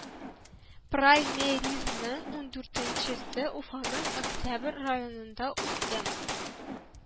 Праймеризның ундүртенченчесе Уфаның Октябрь районында үтте